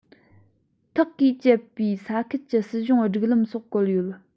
ཐག གིས བཅད པའི ས ཁུལ གྱི སྲིད གཞུང སྒྲིག ལམ སོགས བཀོད ཡོད